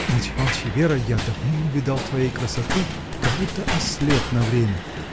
— Молчи, молчи, Вера, я давно не видал твоей красоты, как будто ослеп на время!